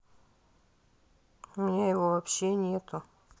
у меня его вообще нету